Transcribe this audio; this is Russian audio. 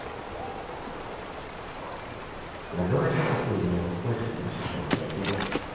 она говорит то что ты меня больше любишь чем я тебя